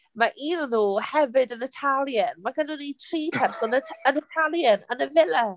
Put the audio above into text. Mae un ohonyn nhw hefyd yn Italian. Mae gennyn ni tri person yn Italian yn y villa.